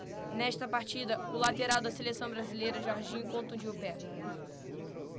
nesta partida o lateral da seleção brasileira jorginho contundiu o pé